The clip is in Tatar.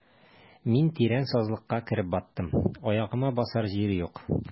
Мин тирән сазлыкка кереп баттым, аягыма басар җир юк.